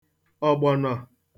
ọ̀gbọ̀nọ̀